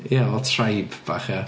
Ia ond fatha tribe bach ia.